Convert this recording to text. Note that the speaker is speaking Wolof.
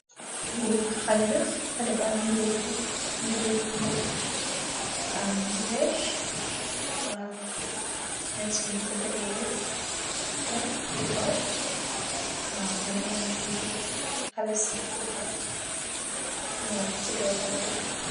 Benu khaleh la khaleh bange letu mess raw mess b nyung ku tegeh kum si kaw bapareh munge khawa senj tuti rek